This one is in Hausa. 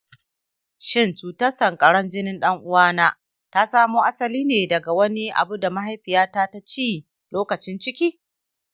shin cutar sankarar jinin ɗan’uwana ta samo asali ne daga wani abu da mahaifiyata ta ci lokacin ciki?